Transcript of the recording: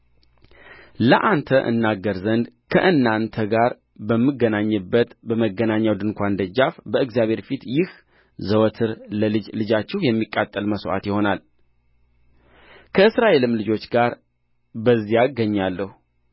ለአንተ እናገር ዘንድ ከእናንተ ጋር በምገናኝበት በመገናኛው ድንኳን ደጃፍ በእግዚአብሔር ፊት ይህ ዘወትር ለልጅ ልጃችሁ የሚቃጠል መሥዋዕት ይሆናል ከእስራኤልም ልጆች ጋር በዚያ እገናኛለሁ